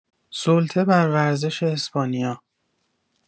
سلطه بر ورزش اسپانیا